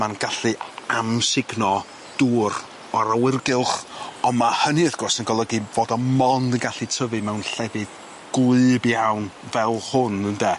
ma'n gallu amsugno dŵr o'r awyrgylch on' ma' hynny wrth gwrs yn golygu fod o mond yn gallu tyfu mewn llefydd gwlyb iawn fel hwn ynde?